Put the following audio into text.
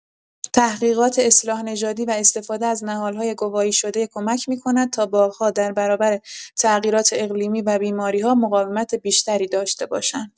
تحقیقات اصلاح نژادی و استفاده از نهال‌های گواهی‌شده کمک می‌کند تا باغ‌ها در برابر تغییرات اقلیمی و بیماری‌ها مقاومت بیشتری داشته باشند.